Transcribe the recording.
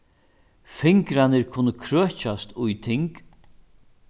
fingrarnir kunnu krøkjast í ting